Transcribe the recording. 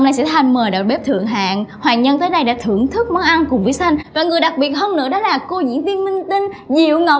nay sỹ thanh mời đầu bếp thượng hạng hoàng nhân tới đây để thưởng thức món ăn cùng với sỹ thanh và người đặc biệt hơn là cô diễn viên minh tinh diệu ngọc